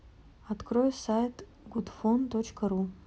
открой сайт гудфон точка ру